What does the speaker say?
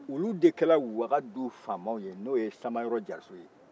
olu de kɛra wagadu faamaw ye n'o samayɔrɔ jariso ye